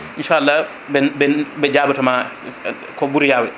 inchallah ɓen ɓen ɓe jabotoma ko ɓuuri yawde